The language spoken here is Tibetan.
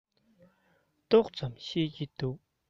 ཏོག ཙམ ཤེས ཀྱི འདུག